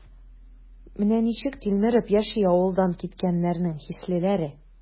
Менә ничек тилмереп яши авылдан киткәннәрнең хислеләре?